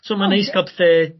So ma'n ga'l pethe